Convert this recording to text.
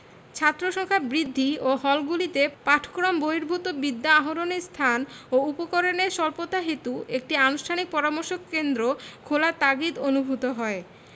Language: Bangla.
ছাত্রসংখ্যা বৃদ্ধি এবং হলগুলিতে পাঠক্রম বহির্ভূত বিদ্যা আহরণের স্থান ও উপকরণের স্বল্পতাহেতু একটি আনুষ্ঠানিক পরামর্শ কেন্দ্র খোলার তাগিদ অনুভূত হয়